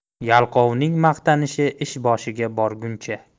yalqovning maqtanishi ish boshiga borguncha